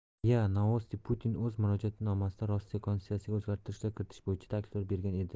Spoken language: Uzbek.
ria novosti putin o'z murojaatnomasida rossiya konstitutsiyasiga o'zgartishlar kiritish bo'yicha takliflar bergan edi